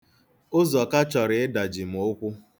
Ụzọka chọrọ ịdaji m ụkwụ.